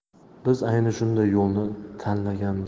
biz ayni shunday yo'lni tanlaganmiz